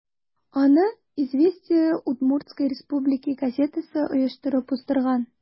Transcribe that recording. Аны «Известия Удмуртсткой Республики» газетасы оештырып уздырган.